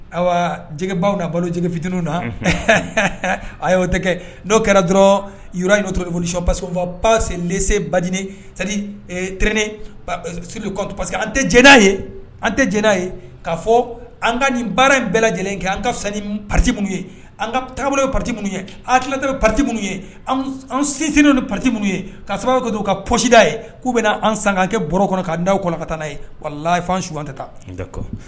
Ayiwa jɛgɛ na baloj fitinin na a'o tɛ dɔw kɛra dɔrɔn toolisic passɔnfa pase lese bad tren pa que an tɛ jɛnɛ ye an tɛ jɛnɛ ye k ka fɔ an ka nin baara in bɛɛ lajɛlen kɛ an ka fisa ni pati minnu ye an ka taa ye pati minnu ye an tilala tɔ pati minnu ye an sintinin ni p pati minnu ye ka sababu don u ka psida ye k'u bɛna an san kɛ b kɔnɔ'an da kɔnɔ ka taa' ye wala'an su an tɛ taa